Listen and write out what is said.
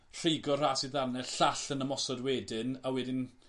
rhwygo rhas i ddarne llall yn ymosod wedyn a wedyn